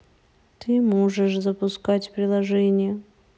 ты можешь запускать приложения